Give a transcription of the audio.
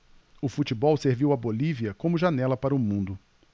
o futebol serviu à bolívia como janela para o mundo